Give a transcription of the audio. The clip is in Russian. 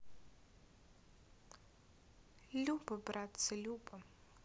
любо братцы любо